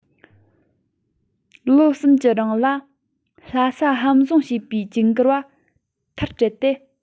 ལོ གསུམ གྱི རིང ལ ལྷ ས ཧམ བཟུང བྱས པའི ཇུན གར བ མཐར བསྐྲད དེ